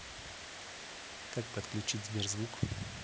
как подключить сберзвук